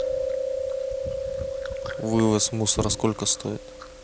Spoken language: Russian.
вывоз мусора сколько стоит